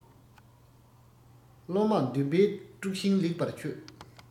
བློ མང འདུན མའི དཀྲུག ཤིང ལེགས པར ཆོད